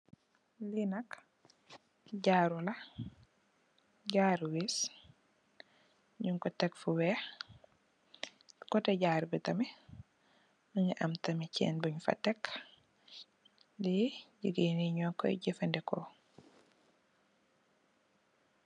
Li nak jaru la jaru wiis, ñing ko tèk fu wèèx . Koteh jaru bi tamid mugii am tamid cèèn buñ fa tèk, li jigeen yi ñu koy jafandiko.